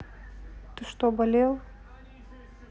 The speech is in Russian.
ты что болел